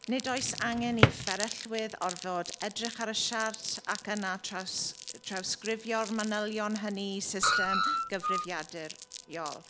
Nid oes angen i fferyllwydd orfod edrych ar y siart ac yna traws- trawsgrifio'r manylion hynny i system gyfrifiaduriol.